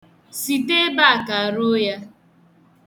Site ebe karuo ya.